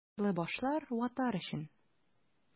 Башлы башлар — ватар өчен!